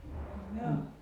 no joo